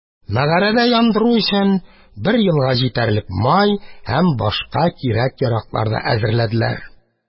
Мәгарәдә яндыру өчен бер елга җитәрлек май һәм башка кирәк-яраклар да әзерләделәр.